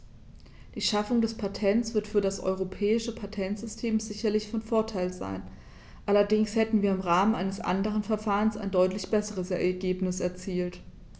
Die Schaffung des Patents wird für das europäische Patentsystem sicherlich von Vorteil sein, allerdings hätten wir im Rahmen eines anderen Verfahrens ein deutlich besseres Ergebnis erzielt.